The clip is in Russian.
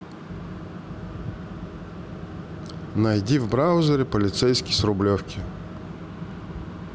найди в браузере полицейский с рублевки